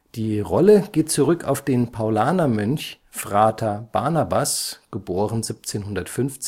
Die Rolle geht zurück auf den Paulaner-Mönch Frater Barnabas (* 1750; † 1795